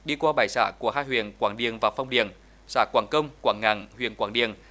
đi qua bảy xã của hai huyện quảng điền và phong điền xã quảng công quảng ngạn huyện quảng điền